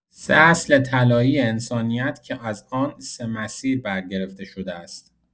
۳ اصل طلایی انسانیت که از آن ۳ مسیر برگرفته شده است